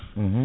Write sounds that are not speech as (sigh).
(hesitation) (hesitation)